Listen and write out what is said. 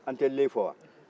an tɛ le fɔ wa